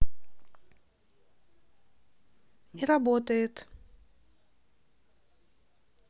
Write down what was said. не работает